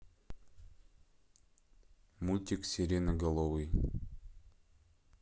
мультик сиреноголовый